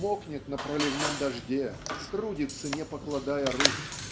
мокнет на проливном дожде трудится не покладая рук